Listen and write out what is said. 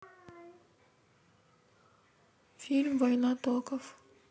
фильм война токов